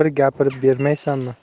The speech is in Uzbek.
bir gapirib bermaysanmi